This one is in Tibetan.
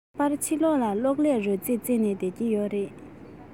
རྟག པར ཕྱི ལོག ལ གློག ཀླད རོལ རྩེད རྩེད ནས སྡོད ཀྱི ཡོད རེད